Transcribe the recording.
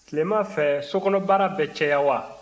tilema fɛ sokɔnɔbaara bɛ caya wa